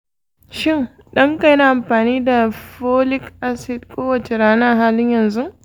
shin ɗan ka yana amfani da folic acid kowace rana a halin yanzu?